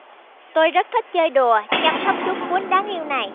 tôi rất thích chơi đùa chăm sóc chú cún đáng yêu này